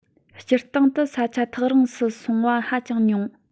སྤྱིར བཏང དུ ས ཆ ཐག རིང སུ སོང བ ཧ ཅང ཉུང